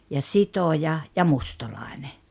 ja sitoja ja mustalainen